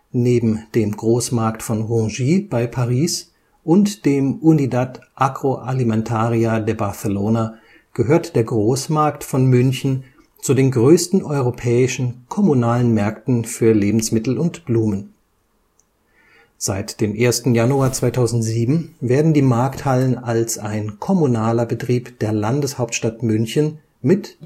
Neben dem Großmarkt von Rungis bei Paris und dem Unidad Agroalimentaria de Barcelona gehört der Großmarkt von München zu den größten europäischen kommunalen Märkten für Lebensmittel und Blumen. Seit dem 1. Januar 2007 werden die Markthallen als ein kommunaler Betrieb der Landeshauptstadt München mit